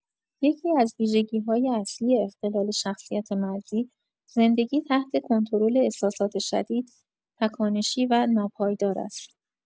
یکی‌از ویژگی‌های اصلی اختلال شخصیت مرزی، زندگی تحت کنترل احساسات شدید، تکانشی و ناپایدار است.